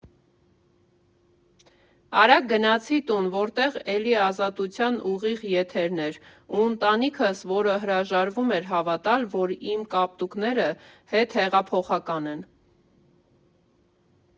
Արագ գնացի տուն, որտեղ էլի «Ազատության» ուղիղ եթերն էր, ու ընտանիքս, որը հրաժարվում էր հավատալ, որ իմ կապտուկները հետհեղափոխական են։